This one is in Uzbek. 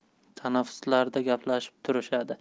tanaffuslarda gaplashib turishadi